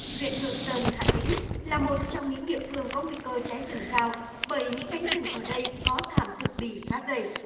huyện hương sơn hà tĩnh là một trong những địa phương có nguy cơ cháy rừng cao bởi những cánh rừng ở đây có thảm thực bì khá dầy